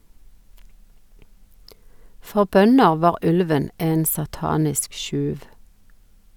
For bønder var ulven en satanisk tjuv.